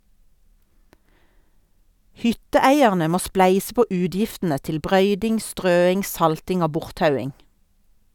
Hytteeierne må spleise på utgiftene til brøyting, strøing, salting og borttauing.